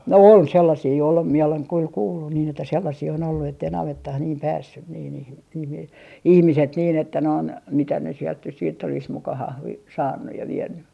oli sellaisia oli minä olen kyllä kuullut niin että sellaisia on ollut että ei navettaan niin päässyt niin niihin niihin ihmiset niin että noin mitä ne sieltä nyt sitten olisi muka - saanut ja vienyt